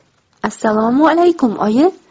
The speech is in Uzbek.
assalomu alaykum oyi